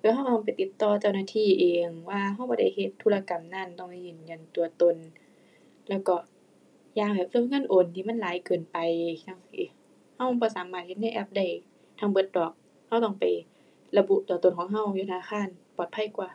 แล้วเราเราต้องไปติดต่อเจ้าหน้าที่เองว่าเราบ่ได้เฮ็ดธุรกรรมนั้น ต้องไปยืนยันตัวตน แล้วก็ อย่างให้เรื่องเงินโอนที่มันหลายเกินไปจั่งซี้ เราบ่สามารถเฮ็ดในแอปได้ทั้งเบิดดอก เราต้องไประบุตัวตนของเราอยู่ธนาคาร ปลอดภัยกว่า